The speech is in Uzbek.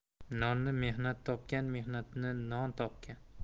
nonni mehnat topgan mehnatni non topgan